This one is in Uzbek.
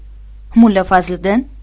mulla fazliddin